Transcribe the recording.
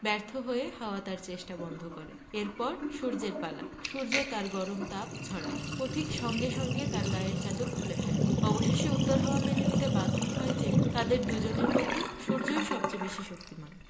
ব্যর্থ হয়ে হাওয়া তার চেষ্টা বন্ধ করে এর পর সূর্যের পালা সূর্য তার গরম তাপ ছড়ায় পথিক সঙ্গে সঙ্গে তার গায়ের চাদর খুলে ফেলে অবশেষে উত্তর হাওয়া মেনে নিতে বাধ্য হয় যে তাদের দুজনের মধ্যে সূর্যই সবচেয়ে বেশি শক্তিমান